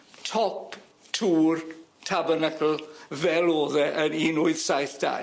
top tŵr Tabernacl fel o'dd e yn un wyth saith dau.